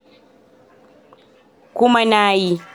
Kuma na yi.